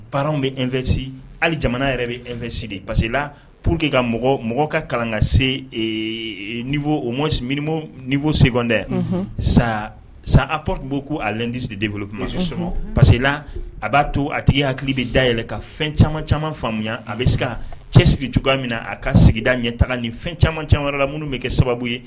Paw bɛ efɛsi hali jamana yɛrɛ bɛ efɛs de parcela pour que ka mɔgɔ mɔgɔ ka kalan se fɔ seb dɛ sa san a ppbo' a ti de ma sɔrɔ pala a b'a to a tigi i hakili bɛ da yɛlɛɛlɛn ka fɛn caman caman faamuya a bɛ se ka cɛ sigi cogoya min na a ka sigida ɲɛ taga ni fɛn caman caman wɛrɛ la minnu bɛ kɛ sababu ye